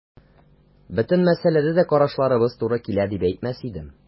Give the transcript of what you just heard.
Бөтен мәсьәләдә дә карашларыбыз туры килә дип әйтмәс идем.